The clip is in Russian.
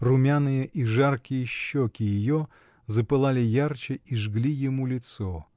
Румяные и жаркие щеки ее запылали ярче и жгли ему лицо.